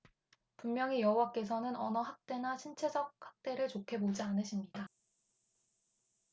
분명히 여호와께서는 언어 학대나 신체적 학대를 좋게 보지 않으십니다